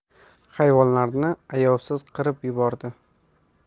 hayvonlarni ayovsiz qirib yubordi